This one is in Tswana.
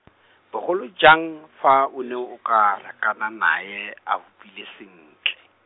bogolo jang, fa o ne o ka rakana nae a hupile sentle.